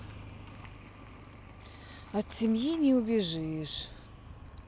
от семьи не убежишь